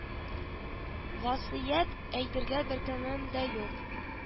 Васыять әйтергә беркемем дә юк